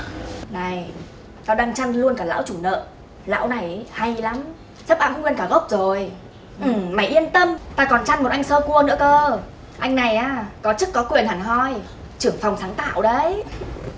này tao đang chăn luôn cả lão chủ nợ lão này ý hay lắm sắp ẵm nguyên cả gốc rồi ừ mày yên tâm tao còn chăn một anh sơ cua nữa cơ anh này á có chức có quyền hẳn hoi trưởng phòng sáng tạo đấy